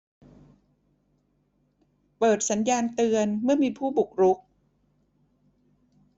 เปิดสัญญาณเตือนเมื่อมีผู้บุกรุก